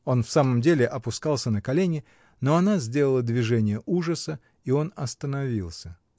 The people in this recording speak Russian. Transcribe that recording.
Он в самом деле опускался на колени, но она сделала движение ужаса, и он остановился.